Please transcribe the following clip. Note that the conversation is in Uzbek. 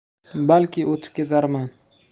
balki o'tib ketarman